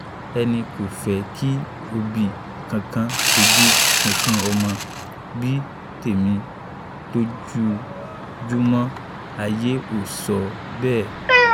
"Èmi kó fẹ́ kí òbí kankan fójú sunkún ọmọ bí tèmi lójoojúmọ́ ayé,” ó sọ bẹ́ẹ̀,”